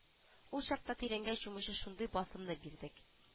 Ул чакта тирәнгә чумучы шундый басымны бирдек